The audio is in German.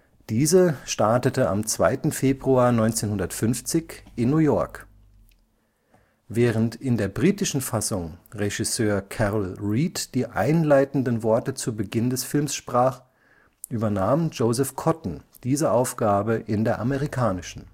Diese startete am 2. Februar 1950 in New York. Während in der britischen Fassung Regisseur Carol Reed die einleitenden Worte zu Beginn des Films sprach, übernahm Joseph Cotten diese Aufgabe in der amerikanischen